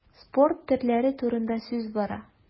Спорт төрләре турында сүз бара.